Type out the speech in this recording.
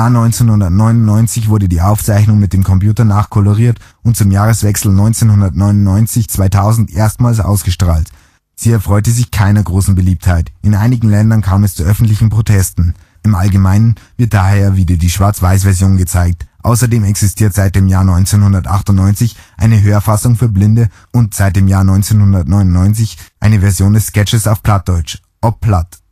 1999 wurde die Aufzeichnung mit dem Computer nachcoloriert und zum Jahreswechsel 1999 / 2000 erstmals ausgestrahlt. Sie erfreute sich keiner großen Beliebtheit. In einigen Ländern kam es zu öffentlichen Protesten. Im Allgemeinen wird daher wieder die Schwarzweiß-Version gezeigt. Außerdem existiert seit dem Jahre 1998 eine Hörfassung für Blinde und seit dem Jahre 1999 eine Version des Sketches auf Plattdeutsch („ op Platt